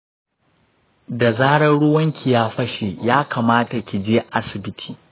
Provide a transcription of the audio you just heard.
da zaran ruwanki ya fashe, yakamata kije asibiti.